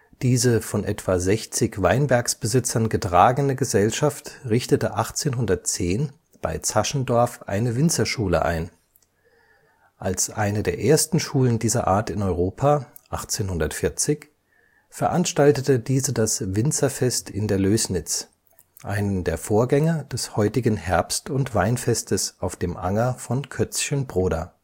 Diese von etwa 60 Weinbergsbesitzern getragene Gesellschaft richtete 1810 bei Zaschendorf eine Winzerschule ein. Als eine der ersten Schulen dieser Art in Europa 1840 veranstaltete diese das Winzerfest in der Lößnitz, einen der Vorgänger des heutigen Herbst - und Weinfestes auf dem Anger von Kötzschenbroda